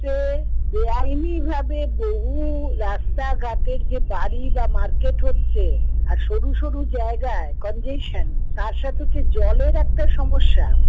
হচ্ছে বেআইনি ভাবে বহু রাস্তাঘাটে যে বাড়ি বা মার্কেট হচ্ছে আর সরু সরু জায়গায় যে কন্ডিশন তার সাথে যে জলের একটা সমস্যা